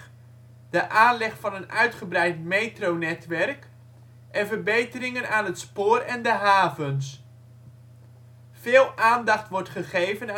aanleg van een uitgebreid metronetwerk en verbeteringen aan het spoor en de havens. Veel aandacht wordt gegeven